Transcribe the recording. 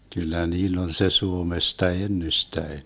kyllä niillä on se Suomesta ennestään